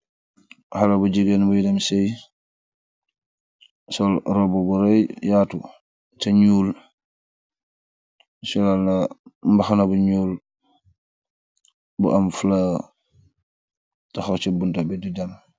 Hale bu jigen boi dem sei sol robu bu yatu te nyul bu am fleur di dem.